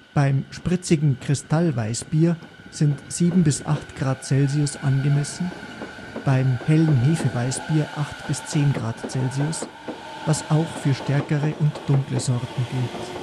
Beim spritzigen Kristallweißbier sind 7 – 8 °C angemessen, beim hellen Hefeweißbier 8 – 10 °C, was auch für stärkere und dunkle Sorten gilt